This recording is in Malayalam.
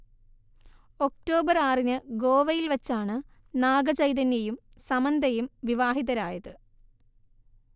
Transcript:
ഒക്ടോബർ ആറിന് ഗോവയിൽ വച്ചാണ് നാഗചൈതന്യയും സമന്തയും വിവാഹിതരായത്